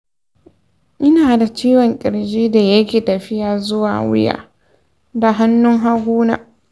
ina da ciwon ƙirji da yake tafiya zuwa wuya na da hannun hagu na.